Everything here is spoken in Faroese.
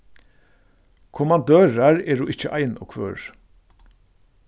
kommandørar eru ikki ein og hvør